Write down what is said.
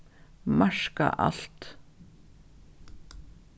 marka alt